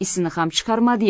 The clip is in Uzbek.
isini ham chiqarmadi ya